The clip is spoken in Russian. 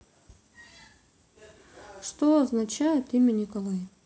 что означает имя николай